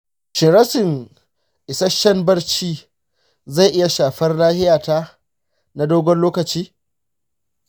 shin rashin isasshen barci zai iya shafar lafiyata na dogon lokaci?